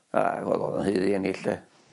A wel o'dd o'n haeddu enni 'de.